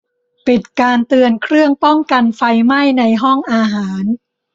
ปิดการเตือนเครื่องป้องกันไฟไหม้ในห้องอาหาร